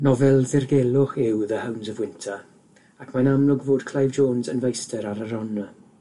Nofel ddirgelwch yw The Hounds of Winter, ac mae'n amlwg fod Clive Jones yn feistyr ar y genre.